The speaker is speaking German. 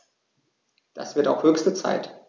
Das wird auch höchste Zeit!